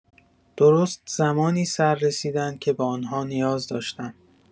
درست زمانی سررسیدند که به آن‌ها نیاز داشتم.